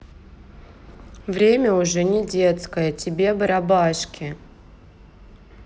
время уже недетское тебе барабашки